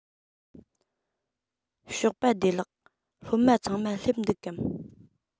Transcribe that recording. ཞོགས པ བདེ ལེགས སློབ མ ཚང མ སླེབས འདུག གམ